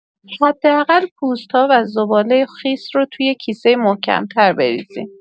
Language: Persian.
حداقل پوست‌ها و زباله خیس رو توی کیسه محکم‌تر بریزین.